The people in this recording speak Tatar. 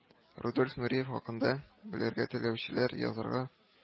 — рудольф нуриев хакында белергә теләүчеләр, язарга